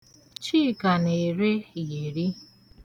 Chika na-ere iyeri